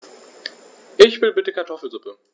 Ich will bitte Kartoffelsuppe.